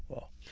waaw